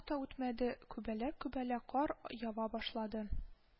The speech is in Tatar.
Та үтмәде, күбәләк-күбәләк кар ява башлады